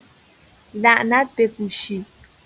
لعنت به گوشی